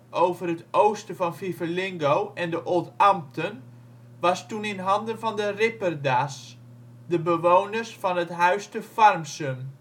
over het oosten van Fivelingo en de Oldambten, was toen in handen van de Ripperda 's, de bewoners van het Huis te Farmsum